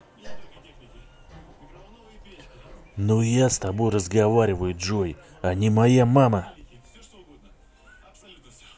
ну я с тобой разговариваю джой а не моя мама